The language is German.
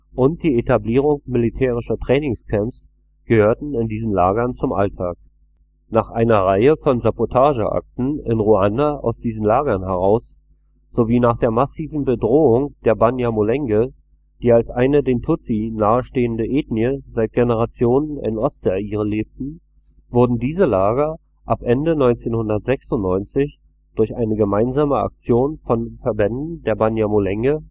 und die Etablierung militärischer Trainingscamps gehörten in diesen Lagern zum Alltag. Nach einer Reihe von Sabotageakten in Ruanda aus diesen Lagern heraus sowie nach der massiven Bedrohung der Banyamulenge, die als eine den Tutsi nahestehende Ethnie seit Generationen im Ostzaire lebten, wurden diese Lager ab Ende 1996 durch eine gemeinsame Aktion von Verbänden der Banyamulenge